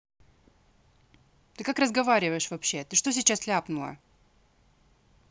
ты как разговариваешь вообще ты что сейчас ляпнула